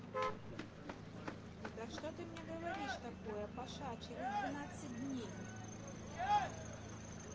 да что ты мне говоришь такое паша через двенадцать дней